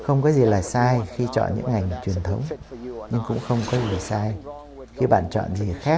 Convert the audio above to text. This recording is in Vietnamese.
không có gì là sai khi chọn những ngành truyền thống nhưng cũng không có gì sai khi bạn chọn gì khác